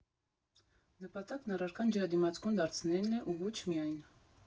Նպատակն առարկան ջրադիմացկուն դարձնելն է ու ոչ միայն.